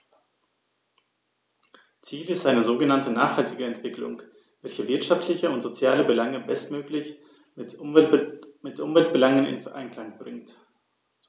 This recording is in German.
Ziel ist eine sogenannte nachhaltige Entwicklung, welche wirtschaftliche und soziale Belange bestmöglich mit Umweltbelangen in Einklang bringt.